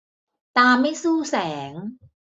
ตาไม่สู้แสง